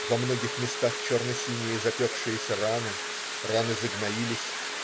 Во многих местах черно-синие запекшиеся раны. Раны загноились.